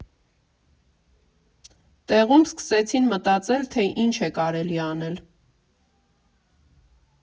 Տեղում սկսեցին մտածել, թե ինչ է կարելի անել։